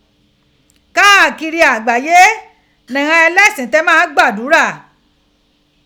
Kaakiri agbaye ni ighan ẹlẹsin ti máa ń gbàdúrà